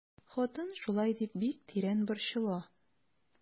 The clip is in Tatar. Хатын шулай дип бик тирән борчыла.